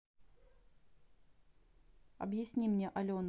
объясни имя алена